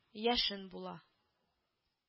Яшен була